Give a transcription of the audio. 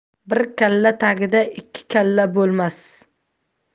bir salla tagida ikki kalla bo'lmas